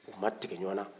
u ma tigɛ ɲwanna